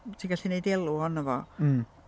bod ti'n gallu wneud elw ohonno fo... Mm.